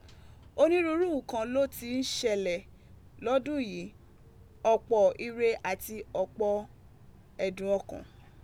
Oniruuru nnkan lo ti ṣẹlẹ lọdun yii, ọpọ ire ati ọpọ ẹdun ọkan.